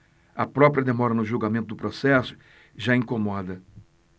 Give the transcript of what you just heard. a própria demora no julgamento do processo já incomoda